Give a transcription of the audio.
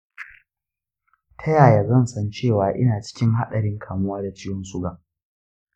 ta yaya zan san cewa ina cikin haɗarin kamuwa da ciwon suga?